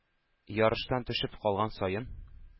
Ярыштан төшеп калган саен,